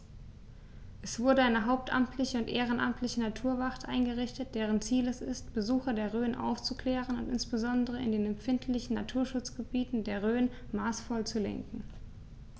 Es wurde eine hauptamtliche und ehrenamtliche Naturwacht eingerichtet, deren Ziel es ist, Besucher der Rhön aufzuklären und insbesondere in den empfindlichen Naturschutzgebieten der Rhön maßvoll zu lenken.